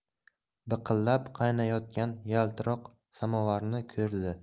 biqirlab qaynayotgan yaltiroq somovarni ko'rdi